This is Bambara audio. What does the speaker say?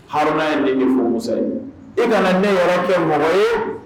Harunaa ye den ni fɔ musa ye e kana ne yɛrɛ kɛ mɔgɔ ye